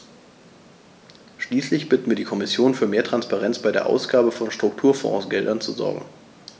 Schließlich bitten wir die Kommission, für mehr Transparenz bei der Ausgabe von Strukturfondsgeldern zu sorgen.